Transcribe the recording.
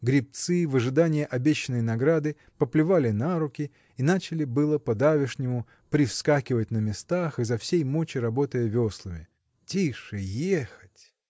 Гребцы в ожидании обещанной награды поплевали на руки и начали было по-давешнему привскакивать на местах изо всей мочи работая веслами. – Тише ехать!